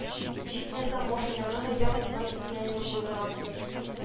Җитмәсә, машинаңа да япон кондиционеры куйдыргансың